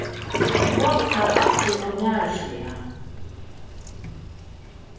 hann tosar altíð ónærisliga